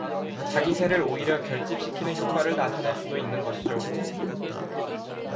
자기 세를 오히려 결집시키는 효과를 나타낼 수도 있는 것이죠